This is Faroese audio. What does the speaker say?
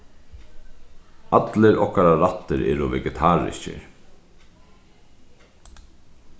allir okkara rættir eru vegetariskir